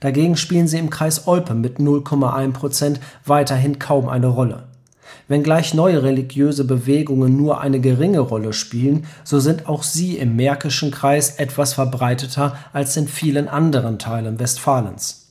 Dagegen spielen sie im Kreis Olpe mit 0,1 % weiterhin kaum eine Rolle. Wenngleich neue religiöse Bewegungen nur eine geringe Rolle spielen, so sind auch sie im Märkischen Kreis etwas verbreiteter als in vielen anderen Teilen Westfalens.